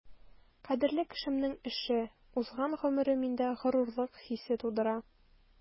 Кадерле кешемнең эше, узган гомере миндә горурлык хисе тудыра.